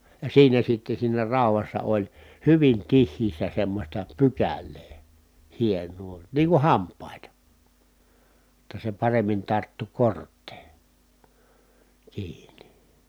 ja siinä sitten siinä raudassa oli hyvin tiheässä semmoista pykälää hienoa niin kuin hampaita jotta se paremmin tarttui korteen kiinni